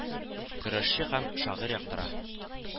Көрәшче һәм шагыйрь яктыра